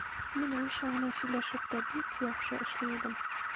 Мин русча гына сөйләшеп тә бик яхшы эшли идем.